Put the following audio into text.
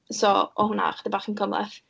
so o' hwnna chydig bach yn cymleth.